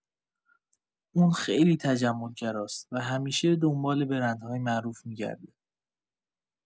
اون خیلی تجمل‌گراست و همیشه دنبال برندهای معروف می‌گرده.